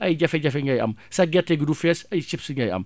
ay jafe-jafe ngay am sa gerte gi du fees ay chips ngay am